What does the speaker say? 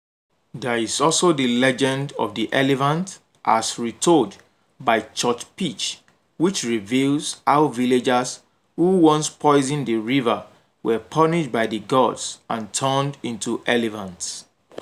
There is also the legend of the elephant as retold by Chhot Pich which reveals how villagers who once poisoned a river were punished by the gods and turned into elephants.